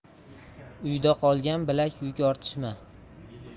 uyda qolgan bilan yuk ortishma